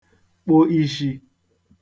kpu ishī